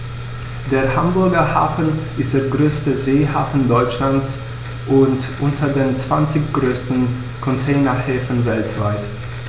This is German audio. Der Hamburger Hafen ist der größte Seehafen Deutschlands und unter den zwanzig größten Containerhäfen weltweit.